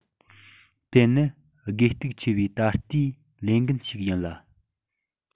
དེ ནི དགོས གཏུག ཆེ བའི ད ལྟའི ལས འགན ཞིག ཡིན ལ